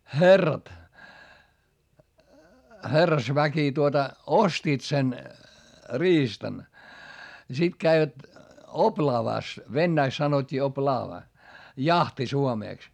herrat herrasväki tuota ostivat sen riistan ja sitten kävivät oplaavassa venäjäksi sanottiin oplaava jahti suomeksi